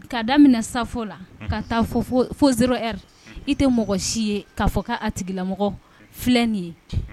Ka daminɛ safo la, Unhun, ka taa fo fɔ 0 heure , unhun, i tɛ mɔgɔ si ye k'a fɔ ka a tigilamɔgɔ filɛ ni ye